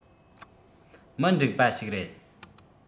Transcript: མི འགྲིག པ ཞིག རེད